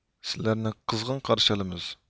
سىلەرنى قىزغىن قارشى ئالىمىز